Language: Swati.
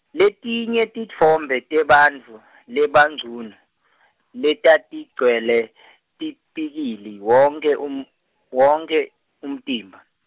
letinye titfombe tebantfu, labangcunu letatigcwele , tipikili wonkhe um- wonkhe umtimba.